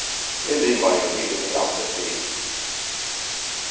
eg limaði meg inn í amnesty